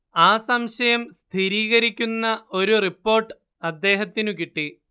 ആ സംശയം സ്ഥിരീകരിക്കുന്ന ഒരു റിപ്പോട്ട് അദ്ദേഹത്തിന് കിട്ടി